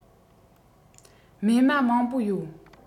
རྨས མ མང པོ ཡོད